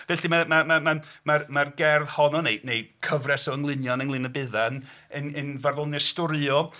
Felly mae'n... mae'n... mae'n... mae'r... mae'r gerdd honno neu... neu cyfres o englynion Englyn y Beddau yn... yn... yn... farddoniaeth storïol.